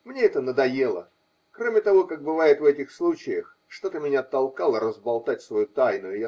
Мне это надоело, кроме того, как бывает в этих случаях, что-то меня толкало разболтать свою тайну.